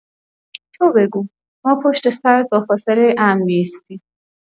تو بگو، ما پشت سرت با فاصله امن می‌ایستیم.